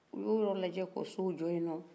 u y'o yɔrɔ lajɛ k'o so jɔ ye nɔn